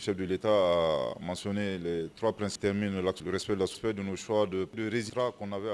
Taara manenuraprete min laurres lasesfɛd suwa don purriz kɔnɔ